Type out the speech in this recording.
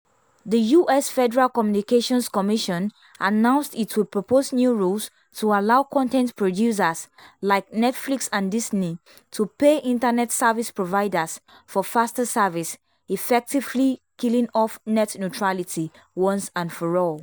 The US Federal Communications Commission announced it will propose new rules to allow content producers, like Netflix and Disney, to pay Internet service providers for faster service, effectively killing off net neutrality once and for all.